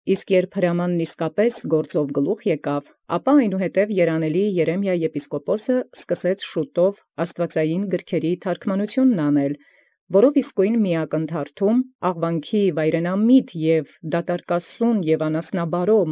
Իսկ իբրև հրամանն այն արդեամբք և գործովք յանկ ելանէր, ապա այնուհետև երանելոյն Երեմիայի եպիսկոպոսի ի ձեռն առեալ՝ վաղվաղակի զաստուածային գրոց թարգմանութիւնս ի գործ արկանէր, որով անդէն յական թաւթափել վայրենամիտ և դատարկասուն և անասնաբարոյ։